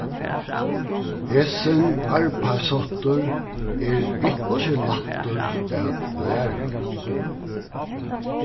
hesin arbeiðsháttur er ikki lættur at læra